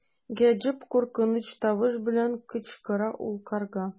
Гаҗәп куркыныч тавыш белән кычкыра ул карга.